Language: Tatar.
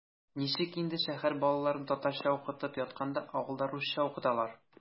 Ничек инде шәһәр балаларын татарча укытып ятканда авылда русча укыталар?!